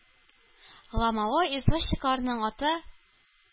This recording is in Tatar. Ломовой извозчикларның аты